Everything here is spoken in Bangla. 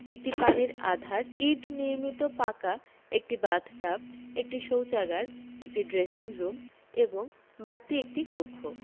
একটি পানির আধার ইট নির্মিত পাকা একটি বাথ টাব একটি শৌচাগার একটি ড্রেসিং রুম এবং বাড়তি একটি কক্ষ